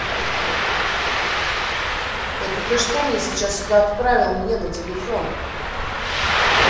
это ты что мне сейчас сюда отправил мне на телефон